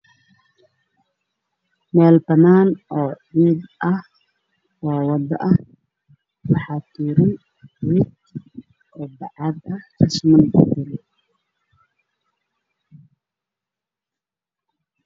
Meeshan waxaa ka muuqda dhul weyn oo leh ciid cadaan ah waxaana ka taagan ilwaax yar dhulku waa banaan